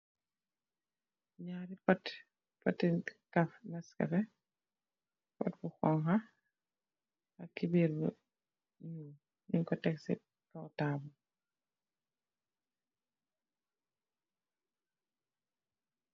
Naari poti nescafe pot bu xonxa cober bu nuul nyun ko tek si kaw tabul.